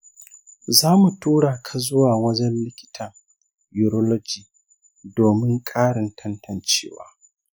za mu tura ka zuwa wajen likitan urology domin ƙarin tantancewa.